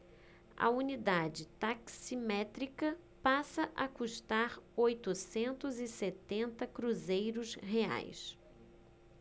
a unidade taximétrica passa a custar oitocentos e setenta cruzeiros reais